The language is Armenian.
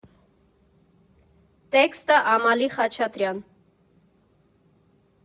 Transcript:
Տեքստը՝ Ամալի Խաչատրյան։